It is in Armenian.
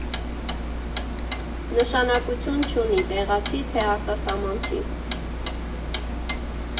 Նշանակություն չունի՝ տեղացի, թե արտասահմանցի։